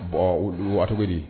Bon cogo di?